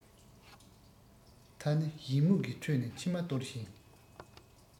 ད ནི ཡི མུག གི ཁྲོད ནས མཆི མ གཏོར ཞིང